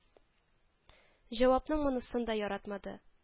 Җавапның монысын да яратмады